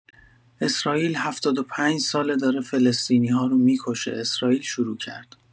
اسراییل هفتاد و پنج‌ساله داره فلسطینی‌ها رو می‌کشه اسراییل شروع کرد.